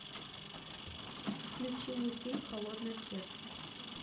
включи мультфильм холодное сердце